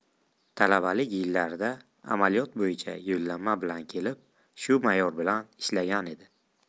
talabalik yillarida amaliyot bo'yicha yo'llanma bilan kelib shu mayor bilan ishlagan edi